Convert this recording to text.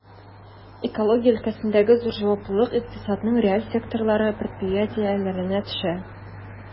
Экология өлкәсендәге зур җаваплылык икътисадның реаль секторлары предприятиеләренә төшә.